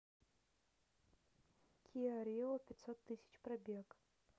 киа рио пятьсот тысяч пробег